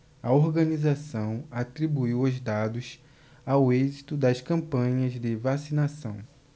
a organização atribuiu os dados ao êxito das campanhas de vacinação